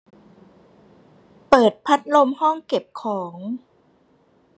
เปิดพัดลมห้องเก็บของ